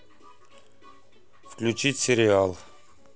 включить сериал